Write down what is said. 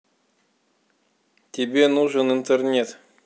тебе нужен интернет